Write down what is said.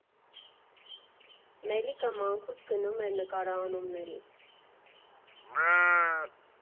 Մելիքը մանկուց գնում էր նկարահանումների.